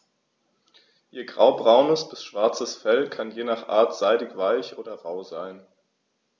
Ihr graubraunes bis schwarzes Fell kann je nach Art seidig-weich oder rau sein.